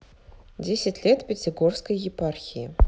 десять лет пятигорской епархии